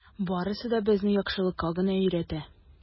Барысы да безне яхшылыкка гына өйрәтә.